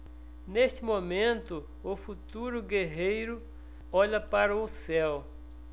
neste momento o futuro guerreiro olha para o céu